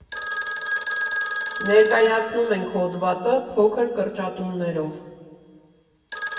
Ներկայացնում ենք հոդվածը՝ փոքր կրճատումներով։